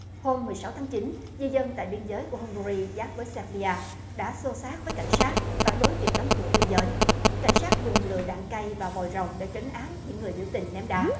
hôm mười sáu tháng chín di dân tại biên giới của hung ga ri giáp với sẹc bi a đã xô xát với cảnh sát phản đối việc đóng cửa biên giới cảnh sát dùng lựu đạn cay và vòi rồng để trấn áp những người biểu tình ném đá